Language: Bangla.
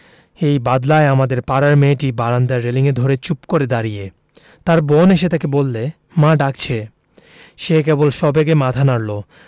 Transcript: এই বাদলায় আমাদের পাড়ার মেয়েটি বারান্দায় রেলিঙ ধরে চুপ করে দাঁড়িয়ে তার বোন এসে তাকে বললে মা ডাকছে সে কেবল সবেগে মাথা নাড়ল